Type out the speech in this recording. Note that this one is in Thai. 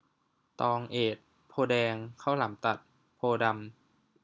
ตองเอดโพธิ์แดงข้าวหลามตัดโพธิ์ดำ